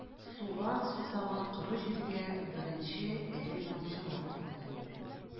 Суга сусаган коры җиргә беренче эре тамчылар тамды...